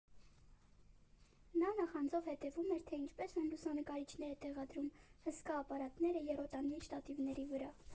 Նա նախանձով հետևում էր, թե ինչպես են լուսանկարիչները տեղադրում հսկա ապարատները եռոտանի շտատիվների վրա։